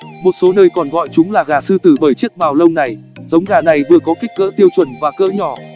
một số nơi còn gọi chúng là gà sư tử bởi chiếc mào lông này giống gà này vừa có kích cỡ tiêu chuẩn và cỡ nhỏ